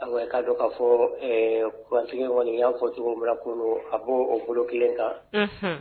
A'a dɔn k kaa fɔwatigi kɔni y yan fɔ cogobarakolo a b' o bolo kelen kan